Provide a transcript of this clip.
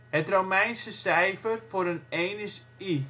Het Romeinse cijfer voor een is I.